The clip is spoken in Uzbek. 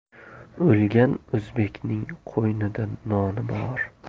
o'lgan o'zbekning qo'ynida noni bor